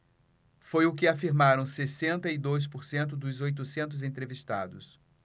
foi o que afirmaram sessenta e dois por cento dos oitocentos entrevistados